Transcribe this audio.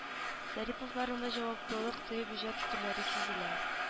Зариповларның да җаваплылык тоеп иҗат итүләре сизелә